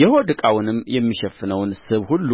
የሆድ ዕቃውንም የሚሸፍነውን ስብ ሁሉ